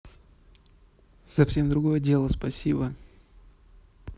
совсем другое дело спасибо